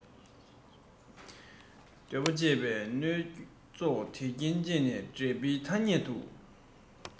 འདོད པ སྤྱད པས མནོལ བཙོག དེས རྐྱེན བྱས ནས འབྲས བུའི ཐ སྙད དུ